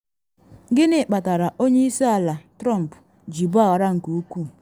Gịnị kpatara Onye Isi Ala Trump ji gbaghara nke ukwuu?